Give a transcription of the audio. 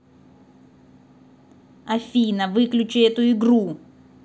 афина выключи эту игру